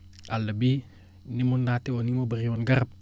àll bii ni mu naatee woon ni mu bëree woon garab